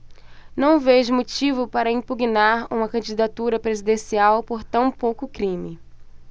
não vejo motivo para impugnar uma candidatura presidencial por tão pouco crime